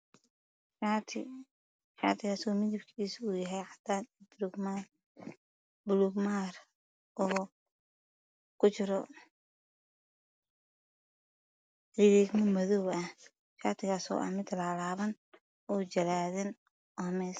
Shaati Shaatigaso medebkiisu yahay cadaan bulug maari oo kujiro riigriigmo madow ah shaati Shaatigaso ah mid laalaban oo jalaadan